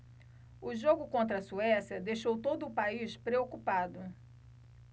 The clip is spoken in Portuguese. o jogo contra a suécia deixou todo o país preocupado